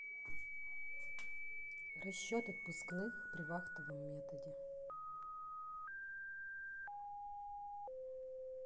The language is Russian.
расчет отпускных при вахтовом методе работы